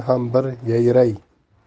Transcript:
ham bir yayray